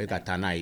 bɛ ka taa n'a ye